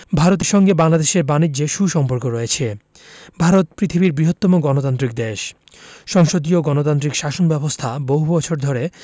ভারতের সঙ্গে বাংলাদেশের বানিজ্যে সু সম্পর্ক রয়েছে ভারত পৃথিবীর বৃহত্তম গণতান্ত্রিক দেশ সংসদীয় গণতান্ত্রিক শাসন ব্যাবস্থা বহু বছর ধরে